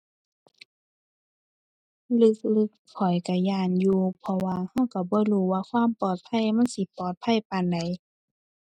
ลึกลึกข้อยก็ย้านอยู่ เพราะว่าก็ก็บ่รู้ว่าความปลอดภัยมันสิปลอดภัยปานใด